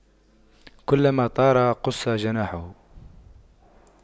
كلما طار قص جناحه